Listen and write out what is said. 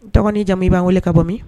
Tɔgɔ n'i jamu i b'an wele ka bɔ min